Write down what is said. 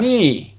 niin